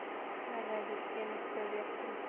Әйтмә дә! - дип килеште Веткин.